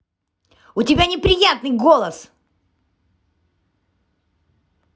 у тебя неприятный голос